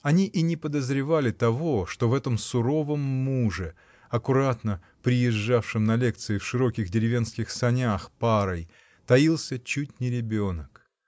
они и не подозревали того, что в этом суровом муже, аккуратно приезжавшем на лекции в широких деревенских санях парой, таился чуть не ребенок.